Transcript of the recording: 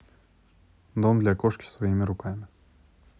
дом для кошки своими руками